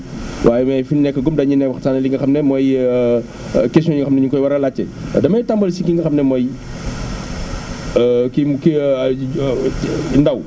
waaye mais fi mu nekkagum dañuy ne waxtaanee li nga xam ne mooy questions yi nga xam ne ñu ngi ko war a laajte damay tàmbale ci ki nga xam ne mooy ki mu Ndao